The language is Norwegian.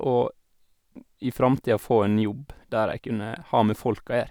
Og i framtida få en jobb der jeg kunne ha med folk å gjøre.